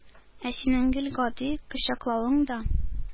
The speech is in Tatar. Ә синен гел гади: кочаклавың да,